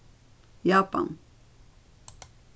japan